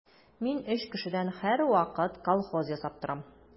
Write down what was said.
Мин өч кешедән һәрвакыт колхоз ясап торам.